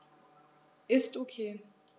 Ist OK.